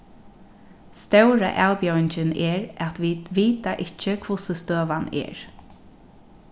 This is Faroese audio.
stóra avbjóðingin er at vit vita ikki hvussu støðan er